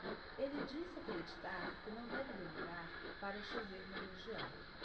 ele disse acreditar que não deve demorar para chover na região